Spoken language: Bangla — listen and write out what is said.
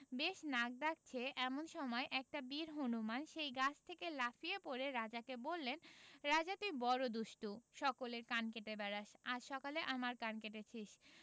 বেশ নাক ডাকছে এমন সময় একটা বীর হনুমান সেই গাছ থেকে লাফিয়ে পড়ে রাজাকে বললে রাজা তুই বড়ো দুষ্ট্র সকলের কান কেটে বেড়াস আজ সকালে আমার কান কেটেছিস